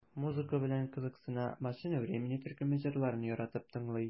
Музыка белән кызыксына, "Машина времени" төркеме җырларын яратып тыңлый.